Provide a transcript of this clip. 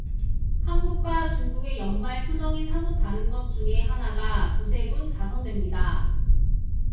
한국과 중국의 연말 표정이 사뭇 다른 것 중의 하나가구세군 자선냄비다